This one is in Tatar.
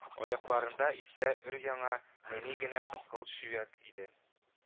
Аякларында исә өр-яңа нәни генә кызгылт чүәк иде